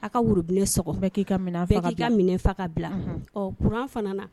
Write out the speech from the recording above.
A ka robinet sɔgɔlen bɛ, bɛɛ k'i ka minɛ fa ka bila. Unhun. ɔ courant fana na.